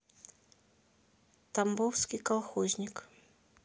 тамбовский колхозник